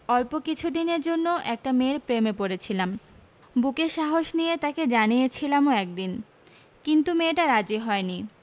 অল্প কিছুদিনের জন্য একটা মেয়ের প্রেমে পড়েছিলাম বুকে সাহস নিয়ে তাকে জানিয়েছিলামও একদিন কিন্তু মেয়েটা রাজি হয়নি